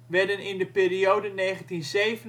werden in de periode 1987 - 2005